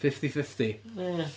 fifty fifty